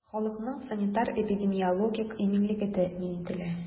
Халыкның санитар-эпидемиологик иминлеге тәэмин ителә.